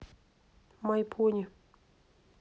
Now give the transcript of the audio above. май пони